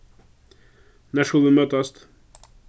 nær skulu vit møtast